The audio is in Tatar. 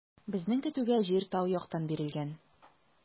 Безнең көтүгә җир тау яктан бирелгән.